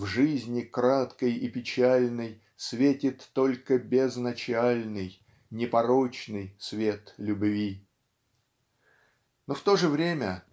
В жизни краткой и печальной Светит только безначальный Непорочный свет любви! Но в то же время